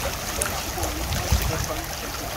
Caring for Myanmar’s orphaned elephants